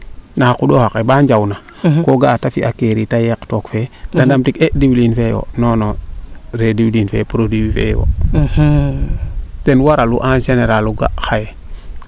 na xa qundo xaxe baa njaw na ko ga'a te fi a qerit a yeeq took fee de ndam tid ee diwliin fee yo ree diwliin fee produit fee yo ten waralu en general o ga xaye